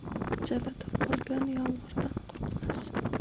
jalada qolgan yomg'irdan qo'rqmas